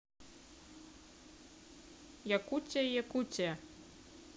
якутия якутия